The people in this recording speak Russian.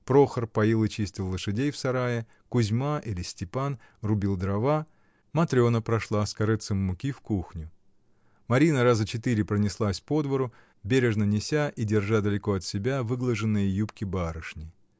Прохор поил и чистил лошадей в сарае, Кузьма или Степан рубил дрова, Матрена прошла с корытцем муки в кухню, Марина раза четыре пронеслась по двору, бережно неся и держа далеко от себя выглаженные юбки барышни.